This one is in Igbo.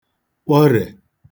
kpọrè